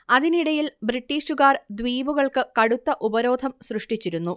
അതിനിടയിൽ ബ്രിട്ടീഷുകാർ ദ്വീപുകൾക്ക് കടുത്ത ഉപരോധം സൃഷ്ടിച്ചിരുന്നു